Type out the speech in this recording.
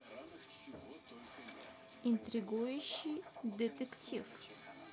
интригующий детектив